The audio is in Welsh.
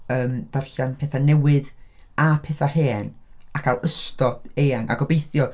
Yym ddarllen pethau newydd a pethau hen a cael ystod eang a gobeithio...